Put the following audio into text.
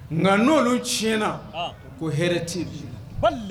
Nka n'olu ti na ko hɛrɛ tɛ'